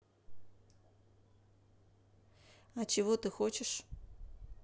а чего ты хочешь